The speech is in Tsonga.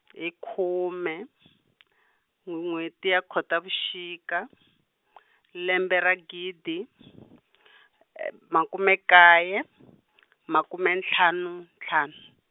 e khume, n'wheti ya Khotavuxika , lembe ra gidi , makume nkaye , makume ntlhanu ntlhanu.